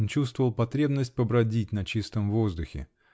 он чувствовал потребность побродить на чистом воздухе.